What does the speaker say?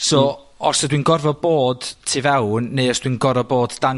so os ydw i'n gorfod bod tu fewn, neu os dwi'n gor'o' bod dan